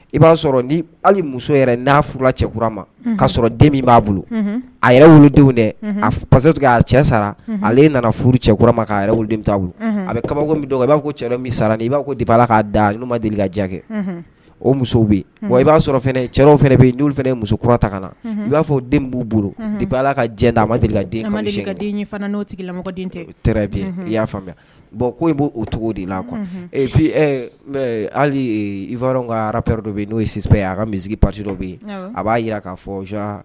I b'a sɔrɔ ni hali muso yɛrɛ n'a furula cɛkura ma ka sɔrɔ den min b'a bolo a yɛrɛ wolodenw dɛ a cɛ sara ale nana furu cɛkurama yɛrɛden t'a bolo a bɛ kaba min i b'a fɔ cɛlo min sara i b'a b'a kaa da n ma deli ka ja kɛ o muso bɛ wa i b'a sɔrɔ bɛ yen fana musokura ta ka na i b'a fɔ o den b'u bolo b'a la ka d' a ma deli den se ka den tigiladen tɛ i y'a faamuya bɔn ko i b'o o cogo de la bi halifa ka dɔ bɛ n'o ye si ye a ka misi pasi dɔ bɛ yen a b'a jira k'a fɔz